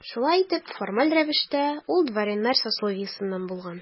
Шулай итеп, формаль рәвештә ул дворяннар сословиесеннән булган.